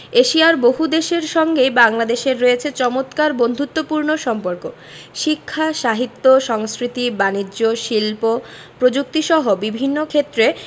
এশিয়ার বহুদেশের সঙ্গেই বাংলাদেশের রয়েছে চমৎকার বন্ধুত্বপূর্ণ সম্পর্ক শিক্ষা সাহিত্য সংস্কৃতি বানিজ্য শিল্প প্রযুক্তিসহ বিভিন্ন ক্ষেত্রে